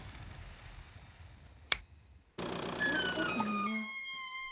вот так у меня